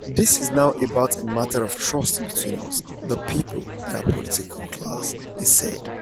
This is now about a matter of trust between us - the people - and our political class,' he said.